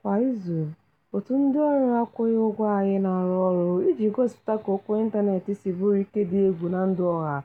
Kwa izu, òtù ndịọrụ akwụghị ụgwọ anyị na-arụ ọrụ iji gosịpụta ka okwu ịntaneetị si bụrụ ike dị egwu na ndụ ọha